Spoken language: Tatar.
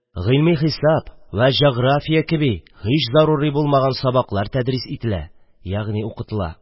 Гыйлъме хисап вә җәгърафия кеби һич зарури булмаган сабаклар тәдрис ителә, ягъни укытыла.